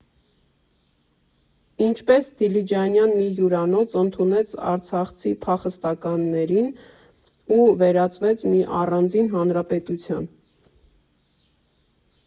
Ինչպես դիլիջանյան մի հյուրանոց ընդունեց արցախցի փախստականներին ու վերածվեց մի առանձին հանրապետության։